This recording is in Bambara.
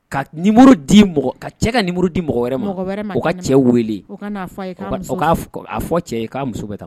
Kamuru di ka cɛ kauru di mɔgɔ wɛrɛ ma u ka cɛ wele a fɔ cɛ k'a muso bɛ taa